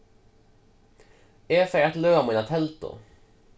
eg fari at løða mína teldu